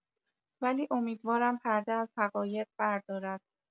ولی امیدوارم پرده از حقایق بردارد